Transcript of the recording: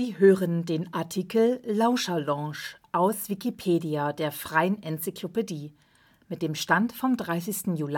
hören den Artikel Lauscherlounge, aus Wikipedia, der freien Enzyklopädie. Mit dem Stand vom Der